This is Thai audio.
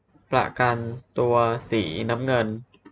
ประกันตัวสีน้ำเงิน